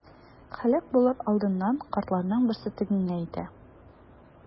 Һәлак булыр алдыннан картларның берсе тегеңә әйтә.